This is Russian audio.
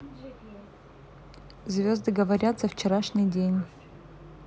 звезды говорят за вчерашний день